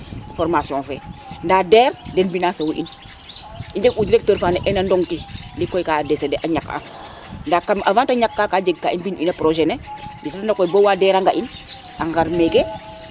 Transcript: formation :frafe nda wa Der den mbinase u in i njeng Directeur fa ne ena Ndong ndik koy ka décéder a ñak a nda kam avant te ñaka ka jeg a]ka i mbin ina projet ne yede ndet na koy bo wa Der a nga in a ngar meke